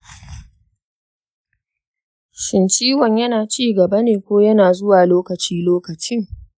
shin ciwon yana ci gaba ne ko yana zuwa lokaci-lokaci?